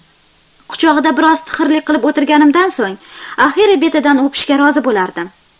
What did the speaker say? quchog'ida bir oz tixirlik qilib o'tirganimdan so'ng axiyri betidan o'pishga rozi bo'lardim